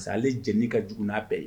Parce que ale j ka jugun' bɛɛ ye